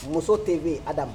Muso tɛ bɛ ha adama